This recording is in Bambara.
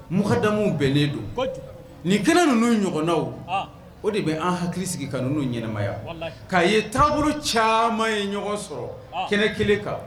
Mɔgɔdamuw bɛnnen don nin kɛnɛ ninnu ɲɔgɔnnaw o de bɛ an hakili sigi ka n ɲɛnaɛnɛmaya'a ye taabolouru caman ye ɲɔgɔn sɔrɔ kɛlɛ kelen kan